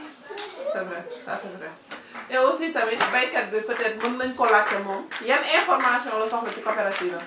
c' est vrai ça c' est vrai et aussi tamit béykat bi peut être mën nañu koo laajte moom yan information la soxla si coopérative am